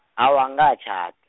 awa angakatjhat-.